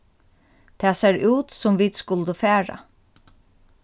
tað sær út sum vit skulu fara